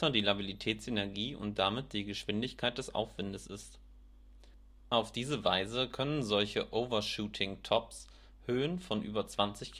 die Labilitätsenergie und damit die Geschwindigkeit des Aufwindes ist. Auf diese Weise können solche overshooting tops Höhen von über 20 km